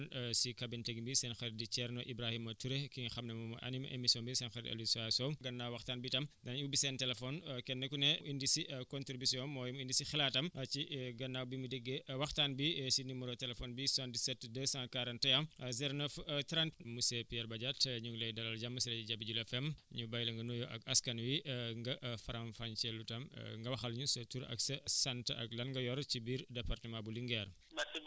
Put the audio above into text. kon si cabine technique bi seen xarit di Thierno Ibrahima Toure ki nga xam ne moom mooy animer émission bi seen xarit Alioune Souare Sow gannaaw waxtaan bi tam danañ ubbi seen téléphone kenn ku ne indi si contribution am mooy mu indi si xalaat am ci gannaaw bi mu déggee waxtaan bi si numéro téléphone bi 77 241 09 30 monsieur Pierre Badiate ñu ngi lay dalal jàmm si rajo Jabi Jula FM ñu bàyyi la nga nuyoo ak askan wi nga faram fàcceel ñu tam nga waxal ñu sa tur ak sa sant ak lan nga yor si biir département bu Linguère